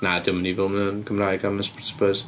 Na, 'di o'm yn evil, ma' o yn Gymraeg a ma' o yn supportio Spurs.